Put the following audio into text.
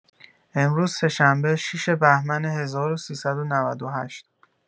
امروز سه‌شنبه ۶ بهمن ۱۳۹۸